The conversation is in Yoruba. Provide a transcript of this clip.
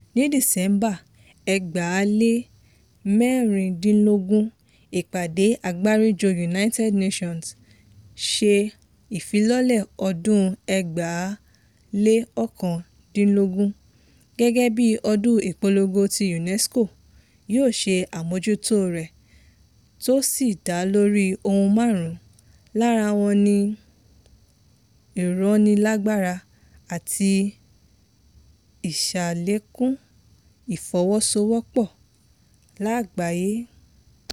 Ní December 2016, ìpàdé àgbáríjọ United Nations ṣe ifilọ́lè ọdun 2019 gẹ́gẹ́ bí ọdún ipolongo tí UNESCO yóò ṣe àmójútó rẹ̀ tó sì dá lórí ohun márùn-ùn, lára wọn ni ìrónilágbára àti ìṣàlékún ìfọwọ́sowọ́pọ̀ lágbàáyé.